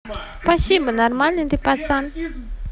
спасибо нормальный ты пацан